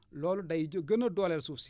loolu day jë gën a dooleel suuf si